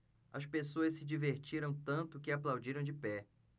as pessoas se divertiram tanto que aplaudiram de pé